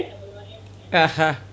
ahah